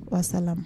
Wasalamu